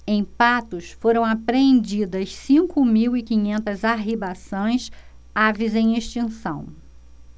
em patos foram apreendidas cinco mil e quinhentas arribaçãs aves em extinção